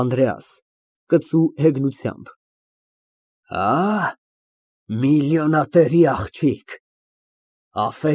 ԱՆԴՐԵԱՍ ֊ (Կծու հեգնությամբ) Հա, միլիոնատերի աղջիկ։